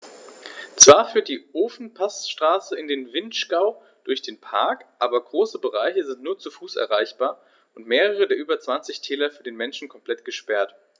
Zwar führt die Ofenpassstraße in den Vinschgau durch den Park, aber große Bereiche sind nur zu Fuß erreichbar und mehrere der über 20 Täler für den Menschen komplett gesperrt.